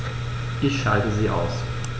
Ich schalte sie aus.